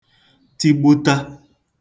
tigbuta